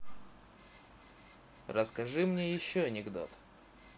расскажи мне еще анекдот